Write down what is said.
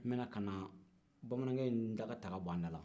n bɛ na ka na bamanankɛ daga ta ka bɔ anw dala